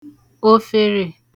òfèrè